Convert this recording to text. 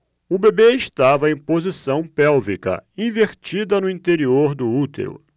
o bebê estava em posição pélvica invertida no interior do útero